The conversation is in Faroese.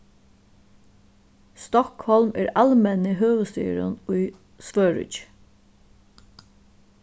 stockholm er almenni høvuðsstaðurin í svøríki